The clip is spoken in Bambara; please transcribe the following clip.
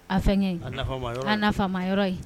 A fɛn an'a faamama yɔrɔ ye